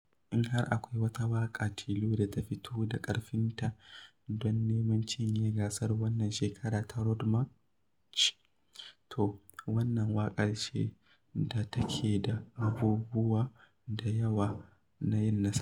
In har akwai wata waƙa tilo da ta fito da ƙarfinta don neman cinye gasar wannan shekarar ta Road March, to wannan waƙar ce da take da abubuwa d yawa na yin nasara: